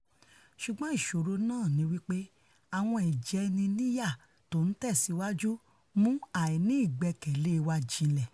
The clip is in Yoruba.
Ṣùgbọn ìṣòro náà nipé àwọn ìjẹniníyà tó ńtẹ̵̀síwájú ńmú àìní-ìgbẹkẹ̀lé wa jinlẹ̀.''